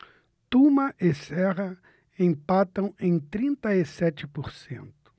tuma e serra empatam em trinta e sete por cento